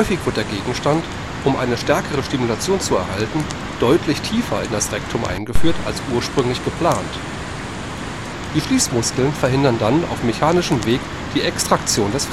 wird der Gegenstand – um eine stärkere Stimulation zu erhalten – deutlich tiefer in das Rektum eingeführt, als ursprünglich geplant. Die Schließmuskeln verhindern dann auf mechanischem Weg die Extraktion des